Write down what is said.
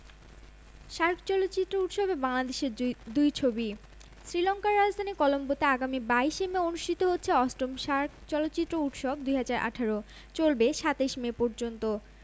মূল চরিত্রে অভিনয় করছেন রোশান ও ববি তবে পিতা তারিক আনাম খান ও পুত্র সুজন খল চরিত্রে অভিনয় করে বেশ আলোচনার জন্ম দিয়েছেন